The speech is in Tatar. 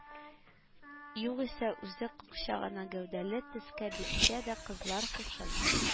Югыйсә үзе какча гына гәүдәле, төскә-биткә дә кызлар һушын